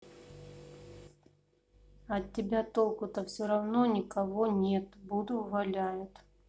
от тебя толку то все равно никого нет буду валяют